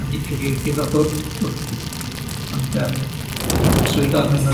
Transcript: ma' nid cyfieithydd o'dd wrth wrthi, ond yym swyddog mewn